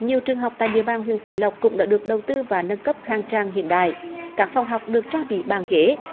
nhiều trường học tại địa bàn huyện phú lộc cũng đã được đầu tư và nâng cấp khang trang hiện đại các phòng học được trang bị bàn ghế